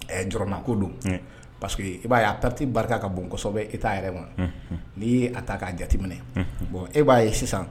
Jɔurama ko donseke i b'a' pariti barika ka bon kɔsɔ kosɛbɛ i t'a yɛrɛ wa n'i ye a ta k'a jateminɛ bɔn e b'a ye sisan